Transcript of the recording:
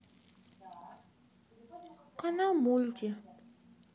канал мульти